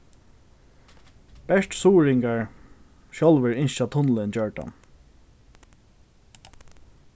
bert suðuroyingar sjálvir ynskja tunnilin gjørdan